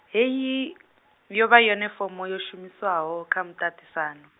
hei, yo vha yone fomo yo shumishwaho kha muṱaṱisano.